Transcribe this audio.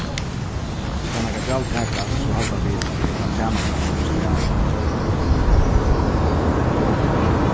skal nakað gjald takast so halda vit at ein tænasta av onkrum slag skal fylgja við